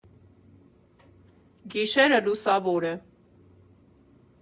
Գիշերը լուսավոր է։